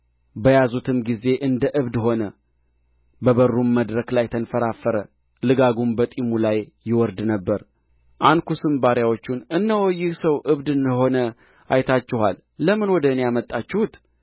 በያዙትም ጊዜ እንደ እብድ ሆነ በበሩም መድረክ ላይ ተንፈራፈረ ልጋጉም በጢሙ ላይ ይወርድ ነበር አንኩስም ባሪያዎቹን እነሆ ይህ ሰው እብድ እንደ ሆነ አይታችኋል ለምን ወደ እኔ አመጣችሁት